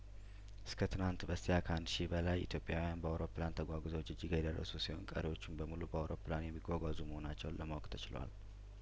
እስከትናንት በስቲያ ከአንድ ሺህ በላይ ኢትዮጵያውያን በአውሮፕላን ተጓጉዘው ጅጅጋ የደረሱ ሲሆን ቀሪዎቹም በሙሉ በአውሮፕላን የሚጓጓዙ መሆናቸውን ለማወቅ ተችሏል